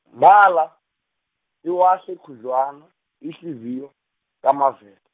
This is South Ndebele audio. mbala, iwahle khudlwana, ihliziyo, kaMave-.